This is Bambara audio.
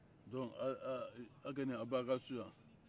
donc aaa aaa a kɔni a b'a ka so yan